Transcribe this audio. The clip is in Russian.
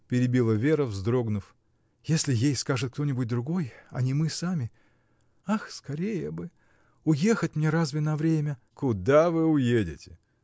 — перебила Вера, вздрогнув, — если ей скажет кто-нибудь другой, а не мы сами. Ах, скорее бы! Уехать мне разве на время?. — Куда вы уедете!